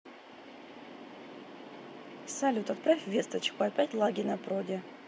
салют отправь весточку опять лаги на проде